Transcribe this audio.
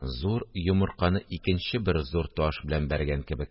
Зур йомырканы икенче бер зур таш белән бәргән кебек